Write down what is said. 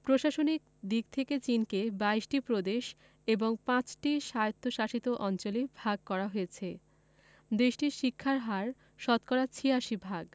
প্রশাসনিক দিক থেকে চিনকে ২২ টি প্রদেশ ও ৫ টি স্বায়ত্তশাসিত অঞ্চলে ভাগ করা হয়েছে দেশটির শিক্ষার হার শতকরা ৮৬ ভাগ